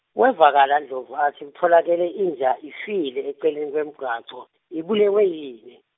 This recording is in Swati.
Wevakala Ndlovu atsi kutfolakele inja ifile eceleni kwemgwaco, Ibulewe yini?